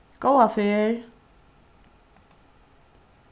góða ferð